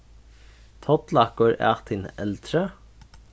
tollakur æt hin eldri